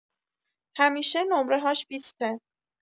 همیشه نمره‌هاش بیسته.